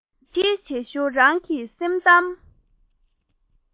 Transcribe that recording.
བྱིལ བྱིལ བྱེད ཞོར རང གི སེམས གཏམ